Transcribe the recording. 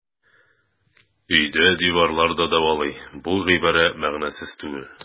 Өйдә диварлар да дәвалый - бу гыйбарә мәгънәсез түгел.